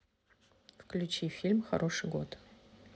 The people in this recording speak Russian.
включи фильм хороший год